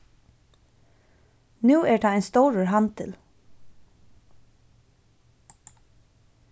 nú er tað ein stórur handil